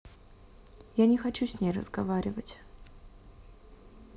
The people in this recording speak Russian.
я не хочу с ней разговаривать